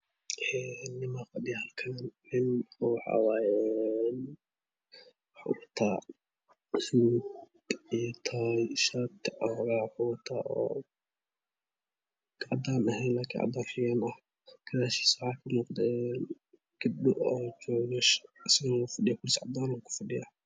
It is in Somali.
Ninbaa meshaan waxuu wataa suud iyo Tay shati oo cadaan eheen oo cadiin xigeen ah Gadaashiisa waxaa kamuuqda gapdhoo oo joogam mesha asana wuu fadhiyaa kursi cadanuu ku fadhiyaa